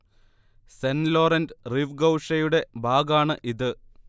saint Laurent Rive ഗൌഷേയുടെ ബാഗാണ് ഇത്